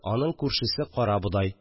Аның күршесе – карабодай